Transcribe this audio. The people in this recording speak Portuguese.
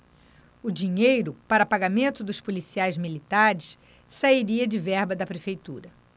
o dinheiro para pagamento dos policiais militares sairia de verba da prefeitura